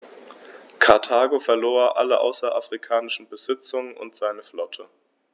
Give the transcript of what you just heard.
Karthago verlor alle außerafrikanischen Besitzungen und seine Flotte.